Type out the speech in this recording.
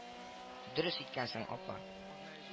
— дөрес иткәнсең, апа